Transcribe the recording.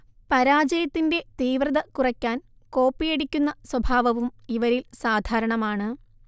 പരാജയത്തിന്റെ തീവ്രത കുറയ്ക്കാൻ കോപ്പിയടിക്കുന്ന സ്വഭാവവും ഇവരിൽ സാധാരണമാണ്